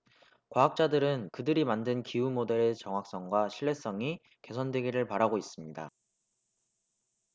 과학자들은 그들이 만든 기후 모델의 정확성과 신뢰성이 개선되기를 바라고 있습니다